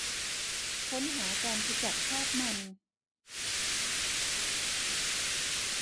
ค้นหาการขจัดคราบมัน